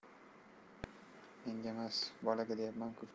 mengamas bolaga deyapmanku